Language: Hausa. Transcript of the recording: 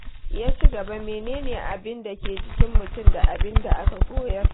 Ya ci gaba: Mene ne abin da ke jikin mutum da abin da aka koyar?